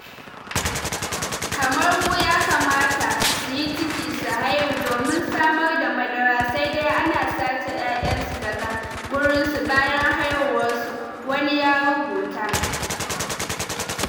Kamar mu yakamata suyi ciki su haihu domin samar da madara, sai dai ana sace yayan su daga gurin su bayan haihuwar su,” wani ya rubuta.